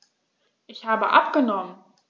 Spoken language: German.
Ich habe abgenommen.